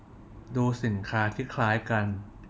ดูสินค้าที่คล้ายกัน